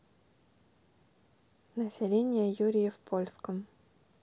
население юрьев польском